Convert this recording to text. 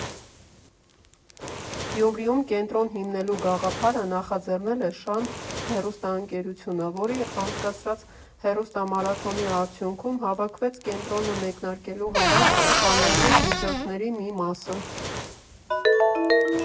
Գյումրիում կենտրոն հիմնելու գաղափարը նախաձեռնել է «Շանթ» հեռուստաընկերությունը, որի անցկացրած հեռուստամարաթոնի արդյունքում հավաքվեց կենտրոնը մեկնարկելու համար անհրաժեշտ միջոցների մի մասը։